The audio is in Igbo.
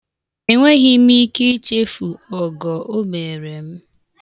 Enweghị m ike ichefu ọgọ o mere m.